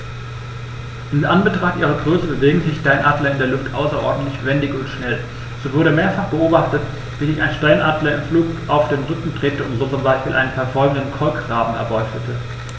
In Anbetracht ihrer Größe bewegen sich Steinadler in der Luft außerordentlich wendig und schnell, so wurde mehrfach beobachtet, wie sich ein Steinadler im Flug auf den Rücken drehte und so zum Beispiel einen verfolgenden Kolkraben erbeutete.